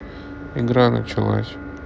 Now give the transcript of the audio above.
игра началась